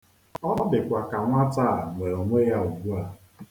Ọ dịkwa ka nwata a nwe onwe ya ugbua.